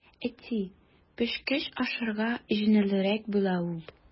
Әти, пешкәч ашарга җиңелрәк була ул.